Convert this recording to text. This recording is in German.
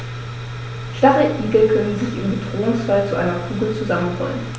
Stacheligel können sich im Bedrohungsfall zu einer Kugel zusammenrollen.